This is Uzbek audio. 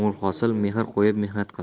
mehr qo'yib mehnat qil